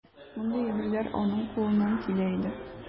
Мондый әйберләр аның кулыннан килә иде.